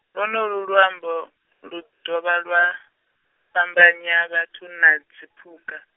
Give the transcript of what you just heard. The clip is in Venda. lwonolwu luambo, lu dovha lwa, fhambanya vhathuna zwipuka.